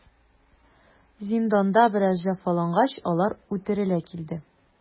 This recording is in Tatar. Зинданда бераз җәфалангач, алар үтерелә килде.